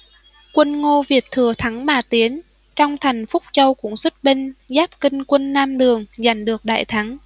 quân ngô việt thừa thắng mà tiến trong thành phúc châu cũng xuất binh giáp kích quân nam đường giành được đại thắng